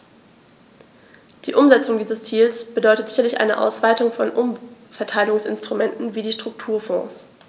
Die Umsetzung dieses Ziels bedeutet sicherlich eine Ausweitung von Umverteilungsinstrumenten wie die Strukturfonds.